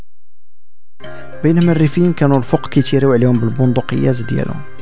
فيلم الريفيين كان فوق كثير واليوم بالبندقيه